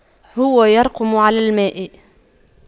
هو يرقم على الماء